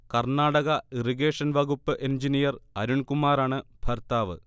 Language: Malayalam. കർണാടക ഇറിഗേഷൻ വകുപ്പ് എൻജിനീയർ അരുൺകുമാറാണ് ഭർത്താവ്